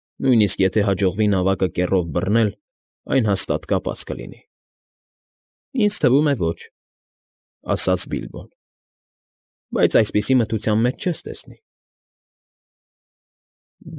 Նույնիսկ եթե հաջողվի նավակը կեռով բռնել, այն հաստատ կապած կլինի։ ֊ Ինձ թվում է, ոչ,֊ ասաց Բիլբոն,֊ բայց այսպիսի մթության մեջ չես տեսնի։ ֊